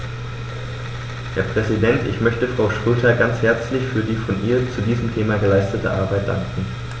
Herr Präsident, ich möchte Frau Schroedter ganz herzlich für die von ihr zu diesem Thema geleistete Arbeit danken.